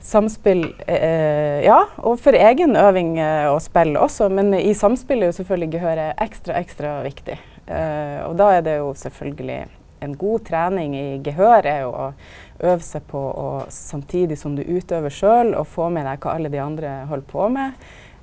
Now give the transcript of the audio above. samspel ja og for eiga øving å spela også, men i samspel er jo sjølvsagt gehøret ekstra ekstra viktig og då er det jo sjølvsagt ein god trening i gehør er jo å øva seg på å samtidig som du utøver sjølv og få med deg kva alle dei andre held på med.